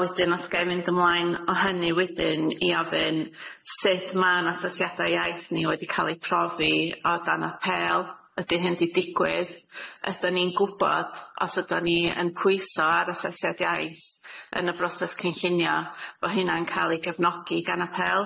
A wedyn os gai mynd ymlaen o hynny wedyn i ofyn sut ma'n asesiada iaith ni wedi ca'l ei profi o dan apêl, ydi hyn di digwydd ydyn ni'n gwbod os ydyn ni yn pwyso ar asesiad iaith yn y broses cynllunio bo' hynna'n ca'l ei gefnogi gan apêl